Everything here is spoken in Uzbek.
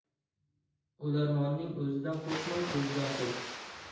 o'larmonning o'zidan qo'rqma ko'zidan qo'rq